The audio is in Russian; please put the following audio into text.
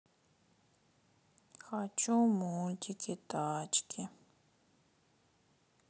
хочу мультики тачки